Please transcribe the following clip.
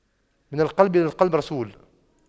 من القلب للقلب رسول